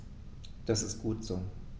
Das ist gut so.